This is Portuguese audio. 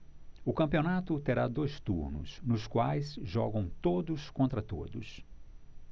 o campeonato terá dois turnos nos quais jogam todos contra todos